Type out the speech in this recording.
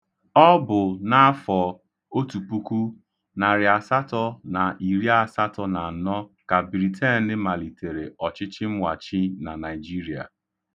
Ọ bụ n'afọ 1884 ka Biriteenị malitere ọchịchịmwachi na Naịjiria.